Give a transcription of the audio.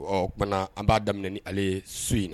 Ɔ tuma an b'a daminɛ ale so in